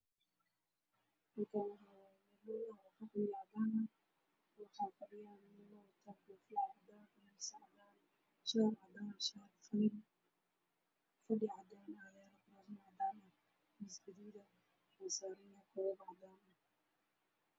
Waa niman hool fadhiyaan oo ku fadhiyaan kuraas cad miiska waxaa saaran goduud ah